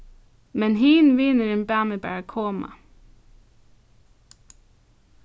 men hin vinurin bað meg bara koma